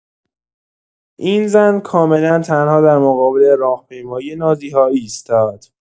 این زن کاملا تنها در مقابل راهپیمایی نازی‌ها ایستاد.